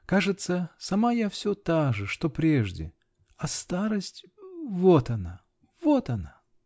Кажется, сама я все та же, что прежде. а старость -- вот она. вот она!